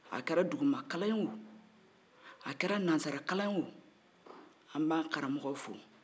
a kɛra dumakalan ye o a kɛra nansarakalan ye o an b'an karamɔgɔw fo